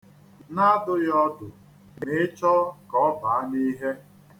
Na-adụ ya ọdụ ma ị chọọ ka ọ baa n'ihe.